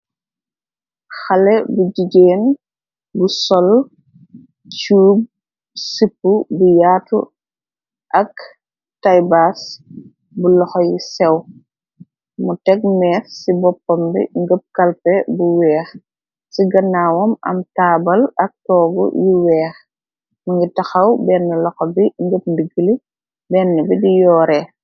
Xale bu jigeen bu sol cuub sip bi yaatu ak taybas bu loxoy sew mu teg mees ci boppambi ngëp kalpe bu weex ci ganaawaom am taabal ak toogu yu weex mingi taxaw benn loxo bi ngëp ndiggli benn bi di yooree.